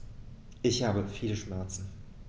Ich habe viele Schmerzen.